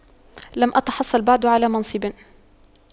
لم اتحصل بعد على منصب